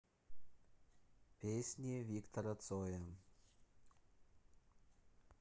песни виктора цоя